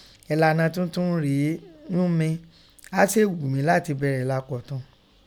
Ẹ̀lana tuntun rèé ún mi, áá sèè ghu mi láti bẹ̀rẹ̀ lakọ̀tun.